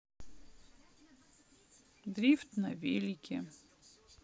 дрифт на велике